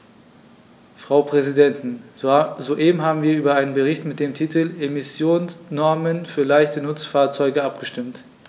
Frau Präsidentin, soeben haben wir über einen Bericht mit dem Titel "Emissionsnormen für leichte Nutzfahrzeuge" abgestimmt.